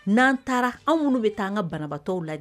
N'an taara an minnu bɛ taa an ka banabatɔw lajɛ